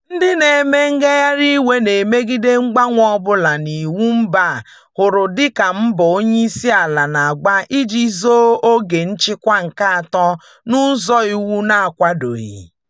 Ndị na-eme ngagharị iwe na-emegide mgbanwe ọ bụla n'iwu mba a hụrụ dịka mbọ onyeisiala na-agba iji zọọ oge nchịkwa nke atọ n'ụzọ iwu na-akwadoghị.